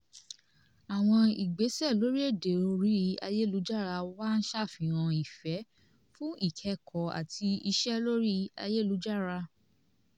Àwọn ìgbésẹ̀ lórí èdè orí ayélujára wá ń ṣàfihàn ìfẹ́ fún ìkẹ́kọ̀ọ́ àti ìṣe lórí ayélujára.